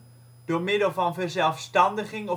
door middel van verzelfstandiging of